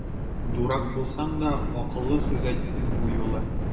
Дурак булсаң да, акыллы сүз әйттең бу юлы!